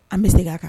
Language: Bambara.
An bɛ segin a kan